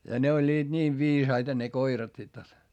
ja ne olivat niin viisaita ne koirat sitten jotta